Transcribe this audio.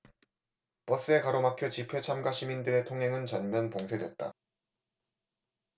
버스에 가로막혀 집회 참가 시민들의 통행은 전면 봉쇄됐다